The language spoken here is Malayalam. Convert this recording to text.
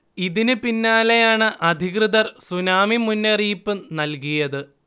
ഇതിന് പിന്നാലെയാണ് അധികൃതർ സുനാമി മുന്നറിയിപ്പ് നൽകിയത്